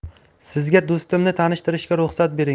sizga do'stimni tanishtirishga ruxsat bering